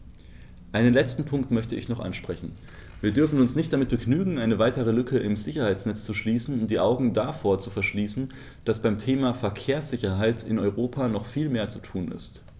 Einen letzten Punkt möchte ich noch ansprechen: Wir dürfen uns nicht damit begnügen, eine weitere Lücke im Sicherheitsnetz zu schließen und die Augen davor zu verschließen, dass beim Thema Verkehrssicherheit in Europa noch viel mehr zu tun ist.